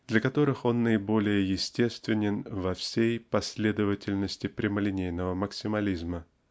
при которых он наиболее естествен во всей последовательности прямолинейного максимализма.